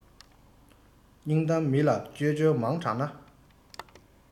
སྙིང གཏམ མི ལ འཆོལ འཆོལ མང དྲགས ན